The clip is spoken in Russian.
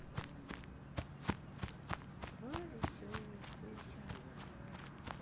два веселых гуся